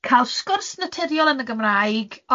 Cael sgwrs naturiol yn y Gymraeg.